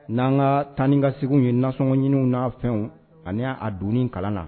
N'an ka tanni ka segu ye nasɔnonɲiniw nafɛnw ani y'a a dunun kalan na